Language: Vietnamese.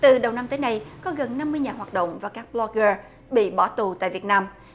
từ đầu năm tới nay có gần năm mươi nhà hoạt động và các bơ loóc gơ bị bỏ tù tại việt nam